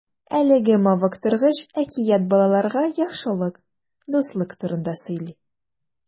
Әлеге мавыктыргыч әкият балаларга яхшылык, дуслык турында сөйли.